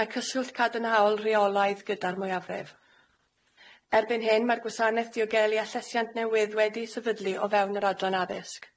Mae cyswllt cadarnhaol rheolaidd gyda'r mwyafrif. Erbyn hyn mae'r gwasanaeth diogelu a llesiant newydd wedi'i sefydlu o fewn yr Adran Addysg.